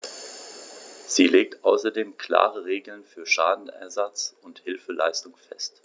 Sie legt außerdem klare Regeln für Schadenersatz und Hilfeleistung fest.